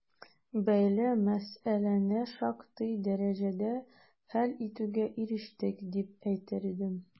Бәйле мәсьәләне шактый дәрәҗәдә хәл итүгә ирештек, дип әйтер идем.